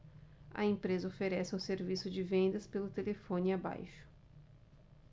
a empresa oferece um serviço de vendas pelo telefone abaixo